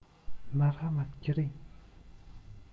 marhamat kiring